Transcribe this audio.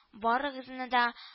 Барыгызны да